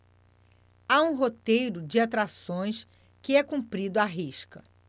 há um roteiro de atrações que é cumprido à risca